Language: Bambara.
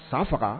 San faga